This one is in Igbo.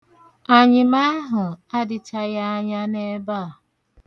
Anyịm ahụ adịchaghị anya n'ebe a.